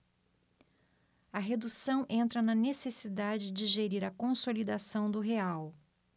a redução entra na necessidade de gerir a consolidação do real